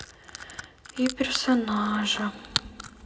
и персонажа